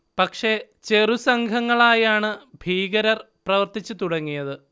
പക്ഷേ, ചെറു സംഘങ്ങളായാണ് ഭീകരർ പ്രവർത്തിച്ചു തുടങ്ങിയത്